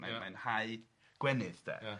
...mae'n mae'n hau gwenydd de... Ia.